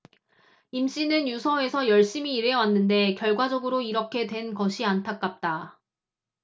임씨는 유서에서 열심히 일해왔는데 결과적으로 이렇게 된 것이 안타깝다